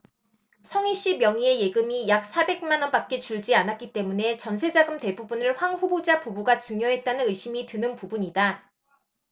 성희씨 명의의 예금이 약 사백 만원밖에 줄지 않았기 때문에 전세자금 대부분을 황 후보자 부부가 증여했다는 의심이 드는 부분이다